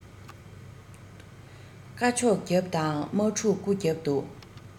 བཀའ ཤོག རྒྱབ དང དམག ཕྲུག སྐུ རྒྱབ ཏུ